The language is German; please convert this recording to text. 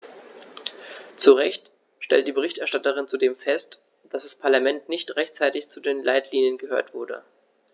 Zu Recht stellt die Berichterstatterin zudem fest, dass das Parlament nicht rechtzeitig zu den Leitlinien gehört wurde.